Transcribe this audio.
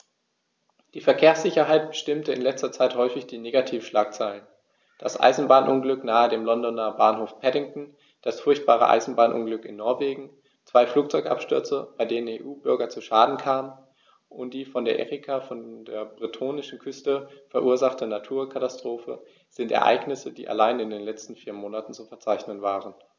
Die Verkehrssicherheit bestimmte in letzter Zeit häufig die Negativschlagzeilen: Das Eisenbahnunglück nahe dem Londoner Bahnhof Paddington, das furchtbare Eisenbahnunglück in Norwegen, zwei Flugzeugabstürze, bei denen EU-Bürger zu Schaden kamen, und die von der Erika vor der bretonischen Küste verursachte Naturkatastrophe sind Ereignisse, die allein in den letzten vier Monaten zu verzeichnen waren.